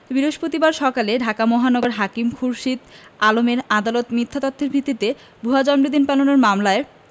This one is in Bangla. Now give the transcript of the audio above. বৃরস্পতিবার সকালে ঢাকা মহানগর হাকিম খুরশীদ আলমের আদালত মিথ্যা তথ্যের ভিত্তিতে ভুয়া জন্মদিন পালনের মামলায়